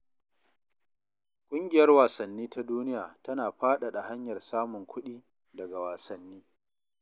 Ƙungiyar wasanni ta duniya tana fadada hanyar samun kuɗi daga wasanni.